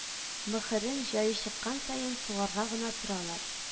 Мөһерен җае чыккан саен сугарга гына торалар